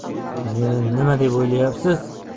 meni nima deb o'ylayapsiz